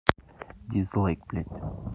дизлайк блять